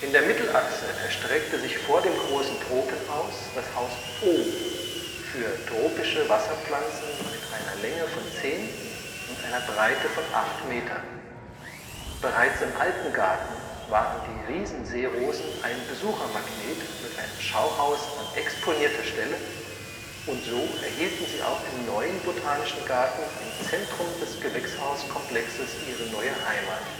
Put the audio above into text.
der Mittelachse erstreckte sich vor dem Großen Tropenhaus das Haus O für tropische Wasserpflanzen mit einer Länge von zehn und einer Breite von acht Metern. Bereits im alten Garten waren die Riesenseerosen ein Besuchermagnet mit einem Schauhaus an exponierter Stelle und so erhielten sie auch im neuen Botanischen Garten im Zentrum des Gewächshauskomplexes ihre neue Heimat